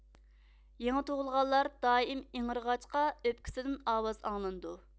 يېڭى تۇغۇلغانلار دائىم ئىڭرىغاچقا ئۆپكىسىدىن ئاۋاز ئاڭلىنىدۇ